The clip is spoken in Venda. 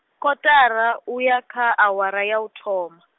kotara uya kha awara ya uthoma.